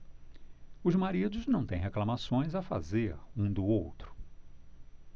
os maridos não têm reclamações a fazer um do outro